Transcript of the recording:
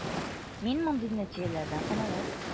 Мин мондый нәтиҗәләрдән канәгать.